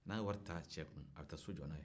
n'a ye wari ta a cɛ kun a bɛ ta so jɔ n'a ye